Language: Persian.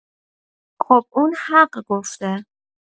خب اون حق گفته